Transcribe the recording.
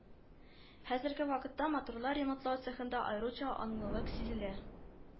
Хәзерге вакытта моторлар ремонтлау цехында аеруча анлылык сизелә